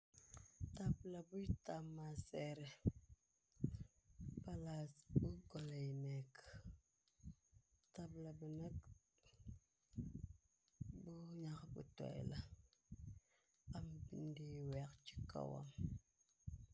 Tabla bui tammaseere palaas bu gooley yi neka tabla bi nag bena nxaa bo toy la am binda yu weex ci kawam.